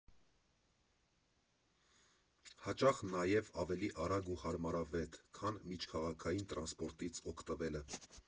Հաճախ նաև ավելի արագ ու հարմարավետ, քան միջքաղաքային տրանսպորտից օգտվելը։